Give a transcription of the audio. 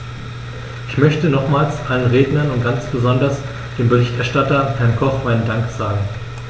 Ich möchte nochmals allen Rednern und ganz besonders dem Berichterstatter, Herrn Koch, meinen Dank sagen.